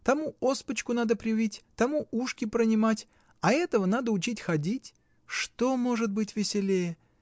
тому оспочку надо привить, той ушки пронимать, а этого надо учить ходить. Что может быть веселее!